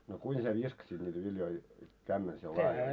no kuinka sinä viskasit niitä viljoja kämmenellä sinä laadi